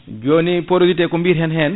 joni porosité ko biyaten hen